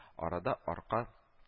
Арада арка